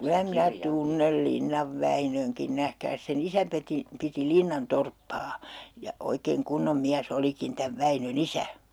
kyllä minä tunnen Linnan Väinönkin nähkääs sen isä piti piti Linnan torppaa ja oikein kunnon mies olikin tämän Väinön isä